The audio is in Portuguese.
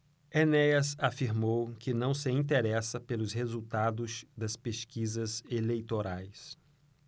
enéas afirmou que não se interessa pelos resultados das pesquisas eleitorais